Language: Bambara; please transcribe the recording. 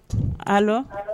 A